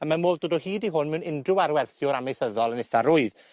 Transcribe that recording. a ma' modd dod o hyd i hwn mewn unryw arwerthiwr amaethyddol yn itha rwydd.